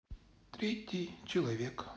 третий человек